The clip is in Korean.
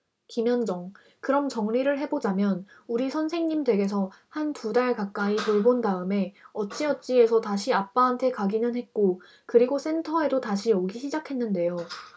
김현정 그럼 정리를 해 보자면 우리 선생님 댁에서 한 두 달 가까이 돌본 다음에 어쩌어찌해서 다시 아빠한테 가기는 했고 그리고 센터에도 다시 오기 시작했는데요